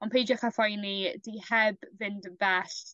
On' peidiwch â phoeni 'di 'i heb fynd yn bell